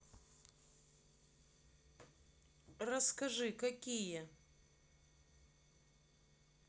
расскажи какие